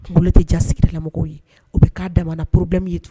Boli tɛ diya a sigidalamɔgɔw ye, o bɛ k'a damana problème ye tuguni!